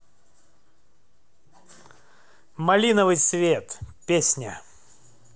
малиновый свет песня